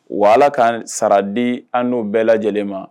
Wa ala ka sara di an n'o bɛɛ lajɛlen ma